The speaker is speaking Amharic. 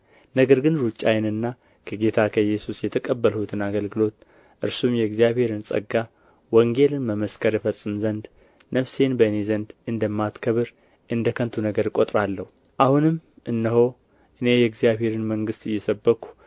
ነገር ግን ሩጫዬንና ከጌታ ከኢየሱስ የተቀበልሁትን አገልግሎት እርሱም የእግዚአብሔርን ጸጋ ወንጌልን መመስከር እፈጽም ዘንድ ነፍሴን በእኔ ዘንድ እንደማትከብር እንደ ከንቱ ነገር እቆጥራለሁ አሁንም እነሆ እኔ የእግዚአብሔርን መንግሥት እየሰበክሁ